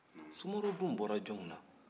sumaworo dun bɔra jɔnw na